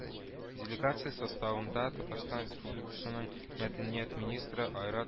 Делегация составында Татарстан Республикасының мәдәният министры Айрат